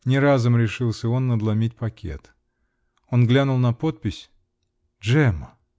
Не разом решился он надломить пакет. Он глянул на подпись: Джемма!